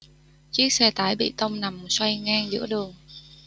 chiếc xe tải bị tông nằm xoay ngang giữa đường